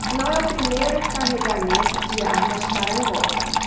não é o primeiro carregamento de armas para angola